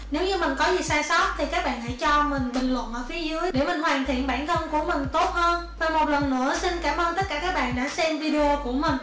nếu như mình có gì sai sót thì hãy cho mình bình luận ở phía dưới để mình hoàn thiện bản thân của mình tốt hơn và một lần nữa xin cảm ơn các bạn đã xem video của mình